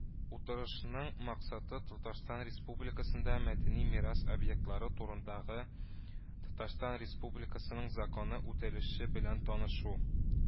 Утырышның максаты – “Татарстан Республикасында мәдәни мирас объектлары турында”гы Татарстан Республикасының Законы үтәлеше белән танышу